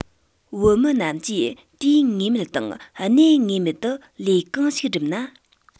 བོད མི རྣམས ཀྱིས དུས ངེས མེད དང གནས ངེས མེད དུ ལས གང ཞིག བསྒྲུབ ན